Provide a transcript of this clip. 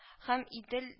Һәм идел